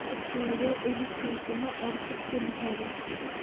bir tuyaga elliktasini ortib kelishadi